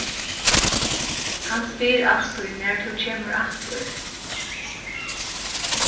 hann spyr altíð nær tú kemur aftur